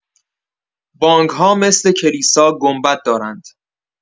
بانک‌ها مثل کلیسا گنبد دارند.